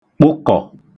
kpụkọ̀